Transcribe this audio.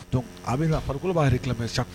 Donc a bɛ ka farikolo b'a réclamé chaque